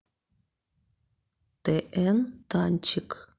тн танчик